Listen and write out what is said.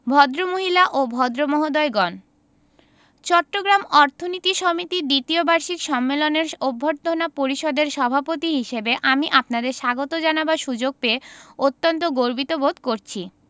ভদ্রমহিলা ও ভদ্রমহোদয়গণ চট্টগ্রাম অর্থনীতি সমিতির দ্বিতীয় বার্ষিক সম্মেলনের অভ্যর্থনা পরিষদের সভাপতি হিসেবে আমি আপনাদের স্বাগত জানাবার সুযোগ পেয়ে অত্যন্ত গর্বিত বোধ করছি